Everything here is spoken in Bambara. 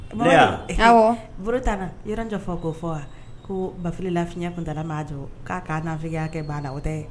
Bolo t' na y jɔfɔ ko fɔ wa ko bafila fiɲɛya tunta'a jɔ k'a'afiya kɛ banna la o tɛ